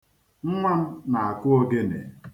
Nnwa m na-akụ ogene.